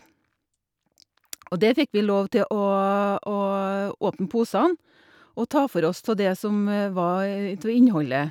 Og det fikk vi lov til, å å åpne posene og ta for oss tå det som var tå innholdet.